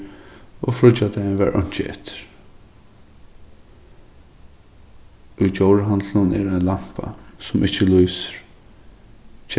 og fríggjadagin var einki eftir í djórahandlinum er ein lampa sum ikki lýsir